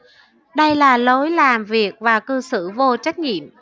đây là lối làm việc và cư xử vô trách nhiệm